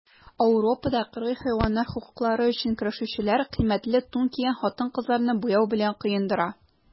Ауропада кыргый хайваннар хокуклары өчен көрәшүчеләр кыйммәтле тун кигән хатын-кызларны буяу белән коендыра.